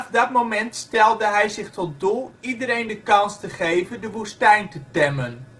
dat moment stelde hij zich tot doel iedereen de kans te geven " de woestijn te temmen